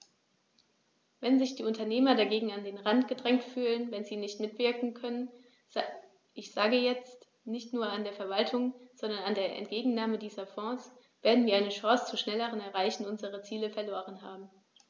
Wenn sich die Unternehmer dagegen an den Rand gedrängt fühlen, wenn sie nicht mitwirken können ich sage jetzt, nicht nur an der Verwaltung, sondern an der Entgegennahme dieser Fonds , werden wir eine Chance zur schnelleren Erreichung unserer Ziele verloren haben.